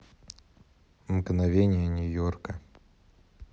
мгновения нью йорка